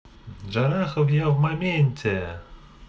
джарахов я в моменте